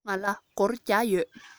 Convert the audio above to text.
ང ལ སྒོར བརྒྱ ཡོད